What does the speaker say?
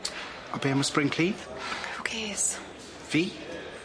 On' be' am y spring clean? Who cares? Fi?